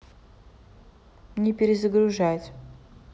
не перезагружать